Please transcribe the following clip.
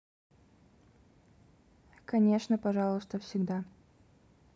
конечно пожалуйста всегда